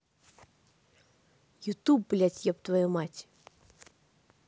youtube блядь еб твою мать